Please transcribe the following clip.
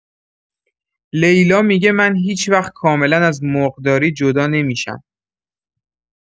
لیلا می‌گه من هیچ‌وقت کاملا از مرغداری جدا نمی‌شم.